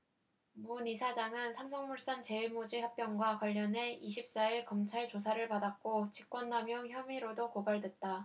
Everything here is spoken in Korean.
문 이사장은 삼성물산 제일모직 합병과 관련해 이십 사 일 검찰 조사를 받았고 직권남용 혐의로도 고발됐다